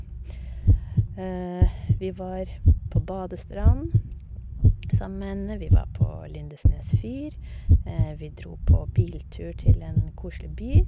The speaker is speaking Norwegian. Vi var på badestrand sammen med henne, vi var på Lindesnes fyr, vi dro på biltur til en koselig by.